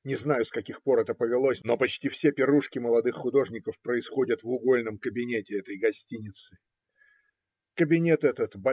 Не знаю, с каких пор это повелось, но почти все пирушки молодых художников происходят в угольном кабинете этой гостиницы. Кабинет этот